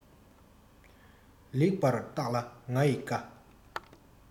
ལེགས པར བརྟག ལ ང ཡི བཀའ